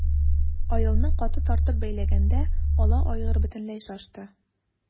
Аелны каты тартып бәйләгәндә ала айгыр бөтенләй шашты.